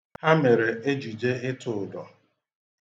Ha mere ejije iṭụ ụdọ.